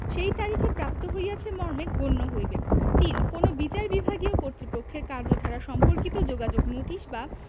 সেই তারিখে প্রাপ্ত হইয়াছে মর্মে গণ্য হইবে ৩ কোন বিচার বিভাগীয় কর্তৃপক্ষের কার্যধারা সম্পর্কিত যোগাযোগ নোটিশ বা